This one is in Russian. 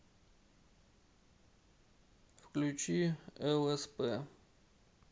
включи лсп